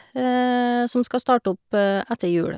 Som skal starte opp etter jul.